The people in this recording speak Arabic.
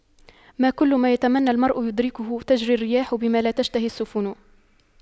ما كل ما يتمنى المرء يدركه تجرى الرياح بما لا تشتهي السفن